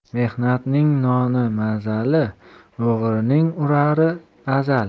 mehnatning noni mazali o'g'rining urari azali